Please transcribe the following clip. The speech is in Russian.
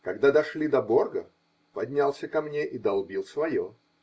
Когда дошли до Борго, поднялся ко мне и долбил свое.